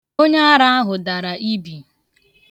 Onyeara ahụ dara ibi.